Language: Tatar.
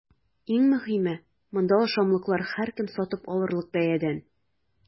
Иң мөһиме – монда ашамлыклар һәркем сатып алырлык бәядән!